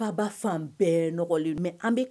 Baba ba fan bɛɛ n nɔgɔlen mɛ